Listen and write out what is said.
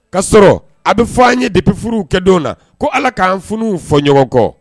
Ka sɔrɔ a bɛ fɔ an ye debifuru kɛdon na ko ala k'an funuw fɔ ɲɔgɔn kɔ